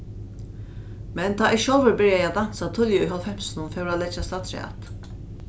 men tá eg sjálvur byrjaði at dansa tíðliga í hálvfemsunum fór at leggjast afturat